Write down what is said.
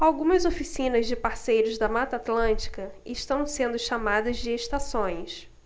algumas oficinas de parceiros da mata atlântica estão sendo chamadas de estações